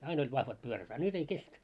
aina oli vahvat pyörät a nyt ei kestä